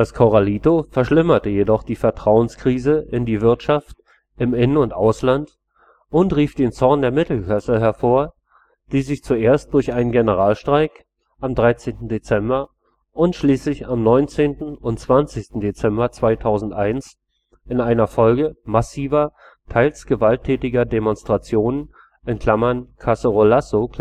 Corralito verschlimmerte jedoch die Vertrauenskrise in die Wirtschaft im In - und Ausland und rief den Zorn der Mittelklasse hervor, der sich zuerst durch einen Generalstreik am 13. Dezember und schließlich am 19. und 20. Dezember 2001 in einer Folge massiver, teils gewalttätiger Demonstrationen (Cacerolazo